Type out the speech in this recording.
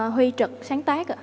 huy trực sáng tác ạ